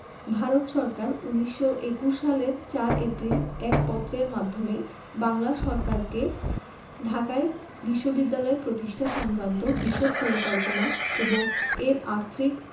ভারত সরকার ১৯২১ সালের ৪ এপ্রিল এক পত্রের মাধ্যমে বাংলা সরকারকে ঢাকায় বিশ্ববিদ্যালয় প্রতিষ্ঠা সংক্রান্ত বিশদ পরিকল্পনা এবং এর আর্থিক